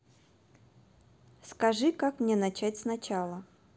скажи мне как мне начать сначала